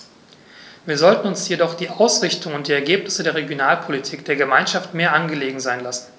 Wir sollten uns jedoch die Ausrichtung und die Ergebnisse der Regionalpolitik der Gemeinschaft mehr angelegen sein lassen.